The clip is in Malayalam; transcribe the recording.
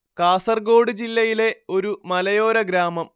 കാസർഗോഡ് ജില്ലയിലെ ഒരു മലയോര ഗ്രാമം